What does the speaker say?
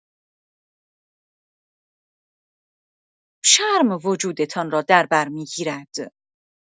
شرم وجودتان را در بر می‌گیرد.